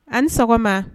An ni sɔgɔma